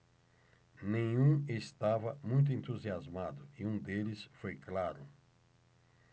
nenhum estava muito entusiasmado e um deles foi claro